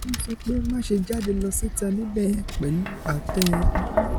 Wọ́n sọ pé, 'máṣe jáde lọ síta níbẹ̀yẹn pẹ̀lú ate yẹn lórí.'